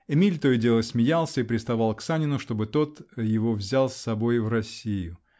Эмиль то и дело смеялся и приставал к Санину, чтобы тот его взял с собой в Россию.